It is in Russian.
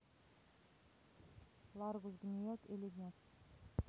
ларгус гниет или нет